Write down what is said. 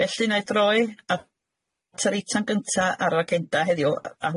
Felly na i droi at yr eitem gynta ar agenda heddiw a